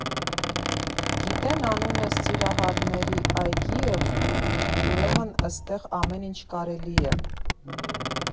Գիտեն անունը Սիրահարների այգի է, ուրեմն էստեղ ամեն ինչ կարելի է։